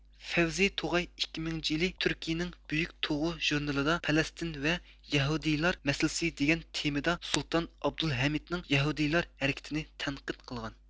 فەۋزى توغاي ئىككى مىڭىنچى يىلى تۈركىيىنىڭ بۈيۈك توغۇ ژۇرنىلىدا پەلەستىن ۋە يەھۇدىيلار مەسىلىسى دېگەن تېمىدا سۇلتان ئابدۇلھەمىدنىڭ يەھۇدىيلار ھەرىكىتىنى تەنقىد قىلغان